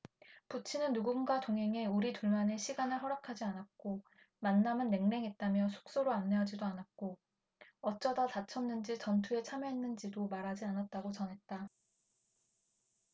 부친은 누군가 동행해 우리 둘만의 시간을 허락하지 않았고 만남은 냉랭했다며 숙소로 안내하지도 않았고 어쩌다 다쳤는지 전투에 참여했는지도 말하지 않았다고 전했다